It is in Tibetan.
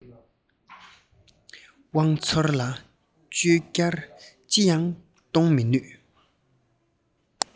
དབང ཚོར ལ བཅོས བསྒྱུར ཅི ཡང གཏོང མི ནུས